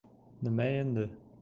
nima endi